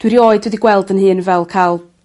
Dwi erioed wedi gweld 'yn hun fel ca'l